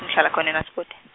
ngihlala khona eNaspoti.